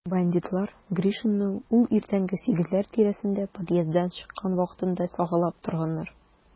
Бандитлар Гришинны ул иртәнге сигезләр тирәсендә подъезддан чыккан вакытында сагалап торганнар.